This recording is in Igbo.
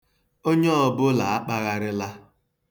Onye ọbụla akpagharịla.